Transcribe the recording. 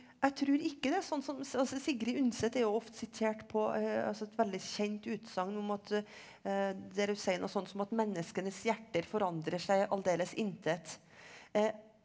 jeg trur ikke det er sånn som altså Sigrid Undset er jo ofte sitert på altså et veldig kjent utsagn om at der hun sier noe sånt som at menneskenes hjerter forandrer seg aldeles intet .